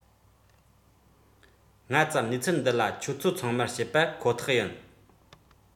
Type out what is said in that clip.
སྔ ཙམ གནས ཚུལ འདི ལ ཁྱེད ཚོ ཚང མར བཤད པ ཁོ ཐག ཡིན